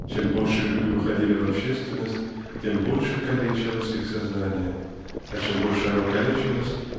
чем больше люди уходили в общественность тем больше калечилось их сознание а чем больше оно калечилось